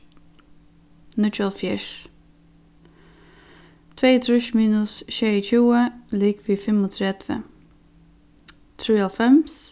níggjuoghálvfjerðs tveyogtrýss minus sjeyogtjúgu ligvið fimmogtretivu trýoghálvfems